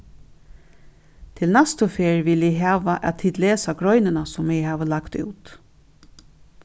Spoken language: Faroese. til næstu ferð vil eg hava at tit lesa greinina sum eg havi lagt út